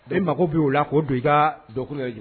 A mako b' o la k'o don i ka dɔgɔkolo ɲini